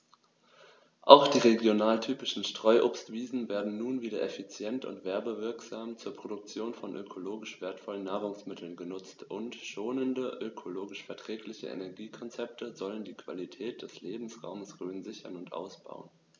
Auch die regionaltypischen Streuobstwiesen werden nun wieder effizient und werbewirksam zur Produktion von ökologisch wertvollen Nahrungsmitteln genutzt, und schonende, ökologisch verträgliche Energiekonzepte sollen die Qualität des Lebensraumes Rhön sichern und ausbauen.